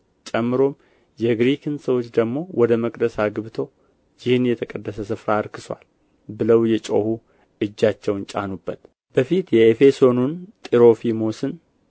ጨምሮም የግሪክን ሰዎች ደግሞ ወደ መቅደስ አግብቶ ይህን የተቀደሰ ስፍራ አርክሶአል ብለው እየጮኹ እጃቸውን ጫኑበት በፊት የኤፌሶኑን ጥሮፊሞስን